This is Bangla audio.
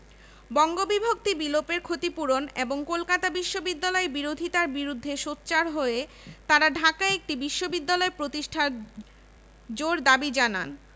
বঙ্গবিভক্তি বিলোপের ক্ষতিপূরণ এবং কলকাতা বিশ্ববিদ্যালয়ের বিরোধিতার বিরুদ্ধে সোচ্চার হয়ে তারা ঢাকায় একটি বিশ্ববিদ্যালয় প্রতিষ্ঠার জোর দাবি জানান